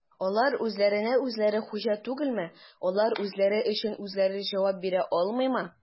Алар үзләренә-үзләре хуҗа түгелме, үзләре өчен үзләре җавап бирә алмыймы?